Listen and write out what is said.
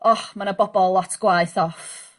och ma' 'na bobol lot gwaeth off